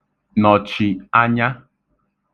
nọ̀chì anya